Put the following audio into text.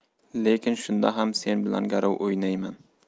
lekin shunda ham sen bilan garov o'ynayman